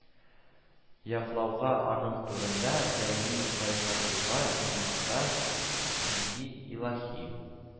Яклауга, аның турында даими кайгыртуга мохтаҗ, чөнки, илаһи